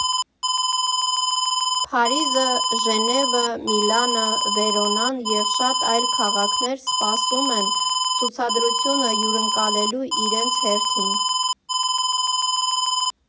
Փարիզը, Ժնևը, Միլանը, Վերոնան և շատ այլ քաղաքներ սպասում են՝ ցուցադրությունը հյուրընկալելու իրենց հերթին։